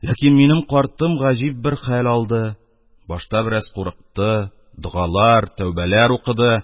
Ләкин минем картым гаҗиб бер хәл алды, башта бераз курыкты, догалар, тәүбәләр укыды.